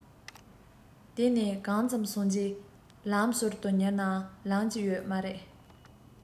དེ ནས གང ཙམ སོང རྗེས ལམ ཟུར དུ ཉལ ནས ལངས ཀྱི ཡོད མ རེད